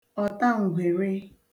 ọ̀taǹgwère